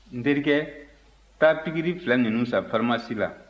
n terikɛ taa pikiri fila ninnu san faramasi la